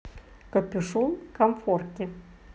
капюшон комфорки